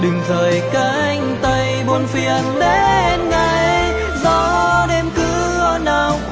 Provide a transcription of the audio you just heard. đừng rời cánh tay buồn phiền đến ngay gió đêm cứ ồn ào